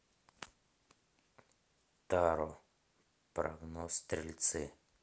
таро прогноз стрельцы